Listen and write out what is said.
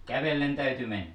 kävellen täytyi mennä